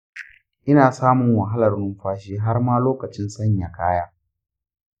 ina samun wahalar numfashi har ma lokacin sanya kaya.